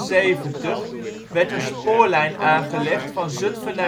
1878 werd een spoorlijn aangelegd van Zutphen